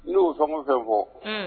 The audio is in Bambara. N'o sɔn fɛn fɔ